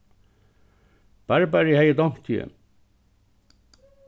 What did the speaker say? barbaru hevði dámt teg